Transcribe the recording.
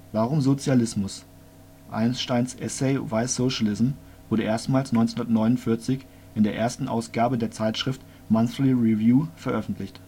Warum Sozialismus? - Einsteins Essay Why Socialism wurde erstmals 1949 in der ersten Ausgabe der Zeitschrift Monthly Review veröffentlicht